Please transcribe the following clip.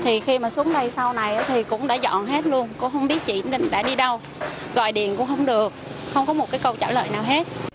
thì khi mà xuống đây sau này thì cũng đã dọn hết luôn cô không biết chị định đã đi đâu gọi điện cũng không được không có một cái câu trả lời nào hết